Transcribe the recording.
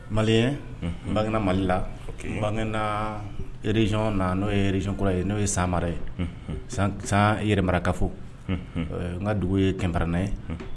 Mali n bangegina malila n bangeinarezyɔn na n'o yerez kura ye n'o ye san mara yerekafo n ka dugu ye kɛpna ye